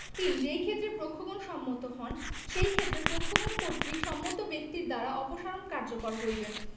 ৩ যেই ক্ষেত্রে পক্ষগণ সম্মত হন সেই ক্ষেত্রে পক্ষগণ কর্তৃক সম্মত ব্যক্তির দ্বারা অপসারণ কার্যকর হইবে